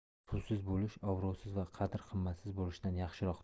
pulsiz bo'lish obro'siz va qadr qimmatsiz bo'lishdan yaxshiroqdir